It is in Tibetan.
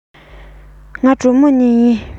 ང གྲོ མོ ནས ཡིན